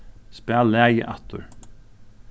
spæl lagið aftur